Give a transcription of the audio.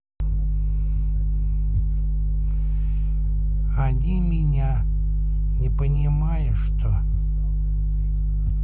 они меня не понимаешь что